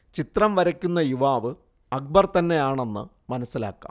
ചിത്രം വരയ്ക്കുന്ന യുവാവ് അക്ബർ തന്നെയാണെന്ന് മനസ്സിലാക്കാം